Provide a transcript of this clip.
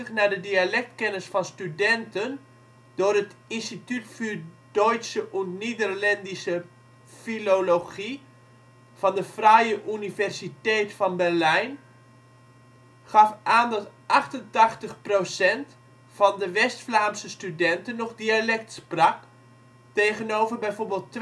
naar de dialectkennis van studenten door het Institut für Deutsche und Niederländische Philologie van de Freie Universität van Berlijn gaf aan dat 88 % van de West-Vlaamse studenten nog dialect sprak, tegenover bijvoorbeeld